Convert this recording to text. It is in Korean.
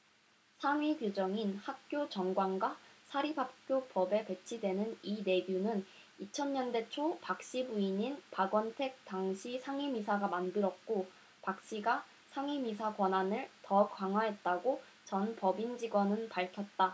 상위 규정인 학교 정관과 사립학교법에 배치되는 이 내규는 이천 년대 초 박씨 부친인 박원택 당시 상임이사가 만들었고 박씨가 상임이사 권한을 더 강화했다고 전 법인 직원은 밝혔다